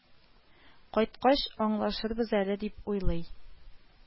Кайткач аңлашырбыз әле, дип уйлый